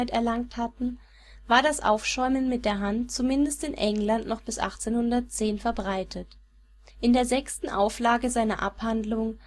erlangt hatten, war das Aufschäumen mit der Hand zumindest in England noch bis 1810 verbreitet. In der sechsten Auflage seiner Abhandlung